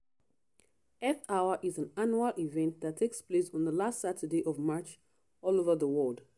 Earth Hour is an annual event that takes place on the last Saturday of March, all over the world.